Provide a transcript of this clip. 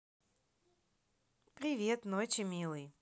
привет ночи милый